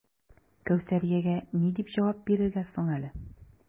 Кәүсәриягә ни дип җавап бирергә соң әле?